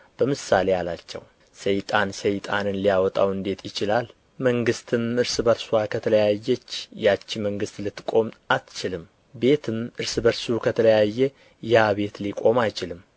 በምሳሌ አላቸው ሰይጣን ሰይጣንን ሊያወጣው እንዴት ይችላል መንግሥትም እርስ በርስዋ ከተለያየች ያች መንግሥት ልትቆም አትችልም ቤትም እርስ በርሱ ከተለያየ ያ ቤት ሊቆም አይችልም